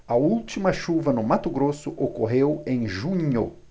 a última chuva no mato grosso ocorreu em junho